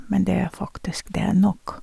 Men det er faktisk det er nok.